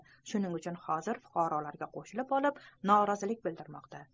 shuning uchun hozir fuqarolarga qo'shilib olib norozilik bildirmoqda